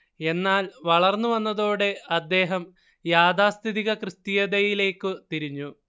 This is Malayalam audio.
എന്നാൽ വളർന്നു വന്നതോടെ അദ്ദേഹം യാഥാസ്ഥിതിക ക്രിസ്തീയതയിലേക്കു തിരിഞ്ഞു